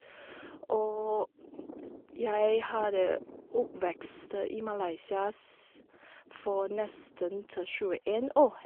Og jeg hadde oppvekst i Malaysia s for nesten te tjueen år.